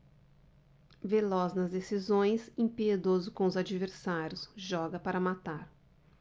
veloz nas decisões impiedoso com os adversários joga para matar